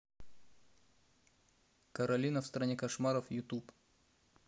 коралина в стране кошмаров ютуб